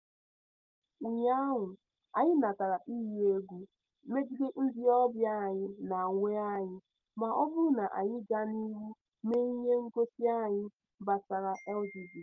Ụnyaahụ, anyị natara iyi egwu megide ndịọbịa anyị na onwe anyị ma ọ bụrụ na anyị gaa n'ihu mee ihe ngosi anyị gbasara LGBT.